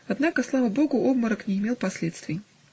Однако, слава богу, обморок не имел последствия.